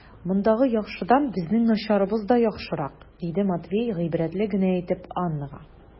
Мондагы яхшыдан безнең начарыбыз да яхшырак, - диде Матвей гыйбрәтле генә итеп Аннага.